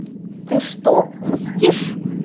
ты что мстишь